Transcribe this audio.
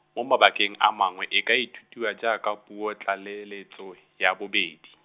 mo mabakeng a mangwe e ka ithutiwa jaaka puo tlaleletso, ya bobedi.